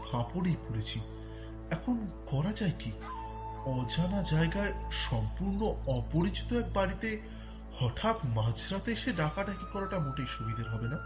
ফাপড়ে পড়েছি এখন করা যায় কি অজানা জায়গায় সম্পূর্ণ অপরিচিত এক বাড়িতে হঠাৎ মাঝ রাতে এসে ডাকাডাকি করাটা মোটেই সুবিধার হবে না